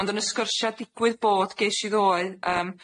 Ond yn y sgyrsia digwydd bod gesh i ddoe yym